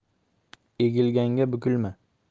egilganga bukilma